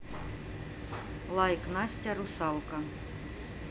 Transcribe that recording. лайк настя русалка